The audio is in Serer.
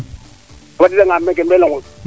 o fadiidanga meeke